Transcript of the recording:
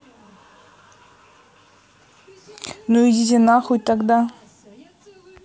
ну идите тогда нахуй